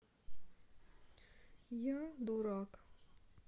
я дурак